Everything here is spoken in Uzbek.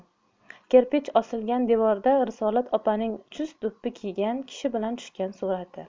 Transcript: kirpech osilgan devorda risolat opaning chust do'ppi kiygan kishi bilan tushgan surati